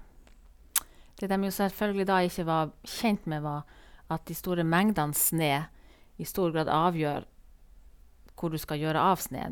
Det dem jo selvfølgelig da ikke var kjent med var at de store mengdene snø i stor grad avgjør hvor du skal gjøre av snøen.